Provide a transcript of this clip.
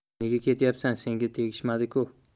nega ketyapsan senga tegishmabdi ku